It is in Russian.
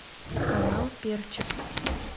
канал перчик